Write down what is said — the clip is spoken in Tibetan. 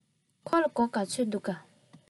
ཁོ ལ སྒོར ག ཚོད འདུག གམ